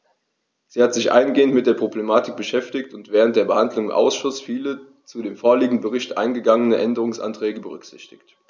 Sie hat sich eingehend mit der Problematik beschäftigt und während der Behandlung im Ausschuss viele zu dem vorliegenden Bericht eingegangene Änderungsanträge berücksichtigt.